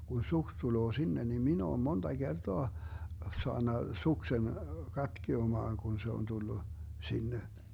kun suksi tulee sinne niin minä olen monta kertaa saanut suksen katkeamaan kun se on tullut sinne